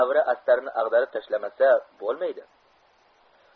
avra astarini ag'darib tashlamasa bo'lmaydi